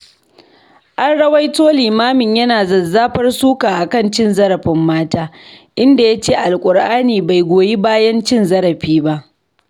An rawaito limamin yana zazzafar suka a kan cin zarafin mata, inda ya ce Alkur'ani bai goyi bayan cin zarafi ba